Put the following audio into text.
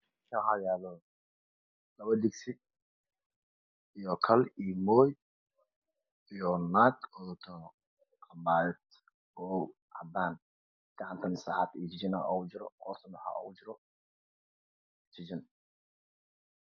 Meeshaan waxaa yaalo labo digsi kal iyo mooyo naag wadato cabaayad oo cadaan ah hoosna waxaa oogu jira hoosna waxaa oogu jiro jijin